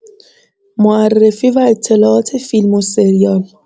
معرفی و اطلاعات فیلم و سریال